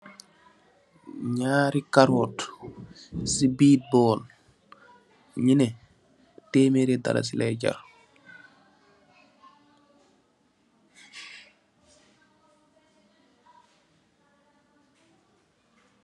Ñaari karot ci biir bóól ñuneh téméri dalasi lay jar.